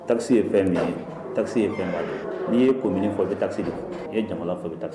Tasi ye fɛn min ye tasi ye fɛn b' ye n'i ye ko mini fɔ bɛ tasiri i ye jamana fɔ i bɛ ta